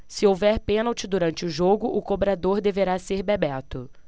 se houver pênalti durante o jogo o cobrador deverá ser bebeto